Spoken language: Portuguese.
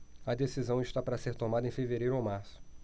a decisão está para ser tomada em fevereiro ou março